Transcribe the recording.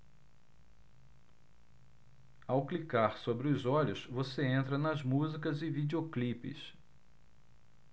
ao clicar sobre os olhos você entra nas músicas e videoclipes